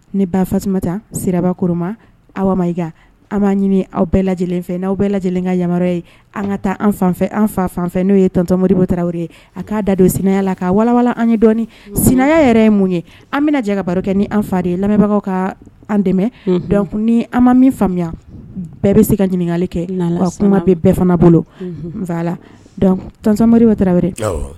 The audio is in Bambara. Ni bafa siraba koroma ma i an b'a ɲini aw bɛɛ lajɛlen fɛ n'aw bɛɛ lajɛlen ka yama ye an ka taa an fanfɛ an fa fanfɛ n'o ye tɔntommo bɔ tarawele ye a k'a da don sina la ka wawalan an ye dɔnni sinan yɛrɛ ye mun ye an bɛna jɛ ka baro kɛ ni an fa de ye lamɛnbagaw ka an dɛmɛc ni an ma min faamuya bɛɛ bɛ se ka ɲininkakali kɛ kuma bɛ bɛɛ fana bolo la tɔntomo tarawele